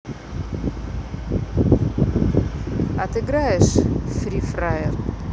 а ты играешь в free fire